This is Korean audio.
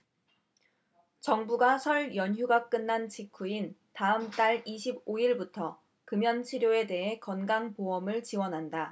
정부가 설 연휴가 끝난 직후인 다음 달 이십 오 일부터 금연치료에 대해 건강보험을 지원한다